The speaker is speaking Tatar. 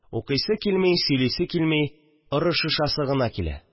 Укыйсы килми, сөйлисе килми, орышышасы гына килә